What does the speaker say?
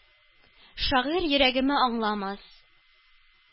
Шагыйрь йөрәгеме аңламас?